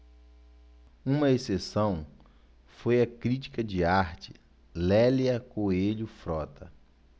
uma exceção foi a crítica de arte lélia coelho frota